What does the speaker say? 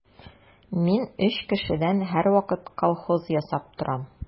Мин өч кешедән һәрвакыт колхоз ясап торам.